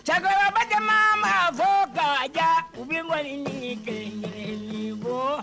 Cɛkɔrɔbakɛ ma fo ka diya u bɛ bɔ ɲinili ko